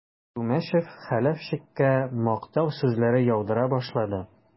Күмәчев Хәләфчиккә мактау сүзләре яудыра башлады.